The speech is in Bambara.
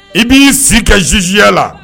I b'i sigi ka zzjiya la